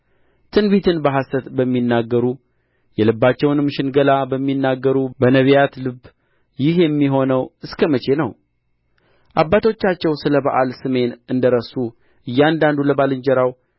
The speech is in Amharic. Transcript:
ትንቢትን በሐሰት በሚናገሩ የልባቸውንም ሽንገላ በሚናገሩ በነቢያት ልብ ይህ የሚሆነው እስከ መቼ ነው አባቶቻቸው ስለ በኣል ስሜን እንደ ረሱ እያንዳንዱ ለባልንጀራው